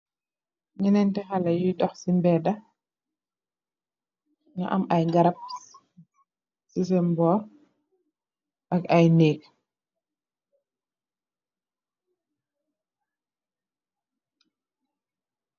Ñènenti xalèh yuy dox ci mbeda, ñu am ay garap ci sèèn boorak ay nèk.